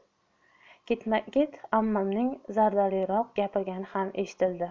ketma ket ammamning zardaliroq gapirgani ham eshitildi